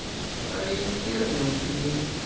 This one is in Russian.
ориентир любви